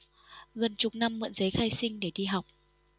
gần chục năm mượn giấy khai sinh để đi học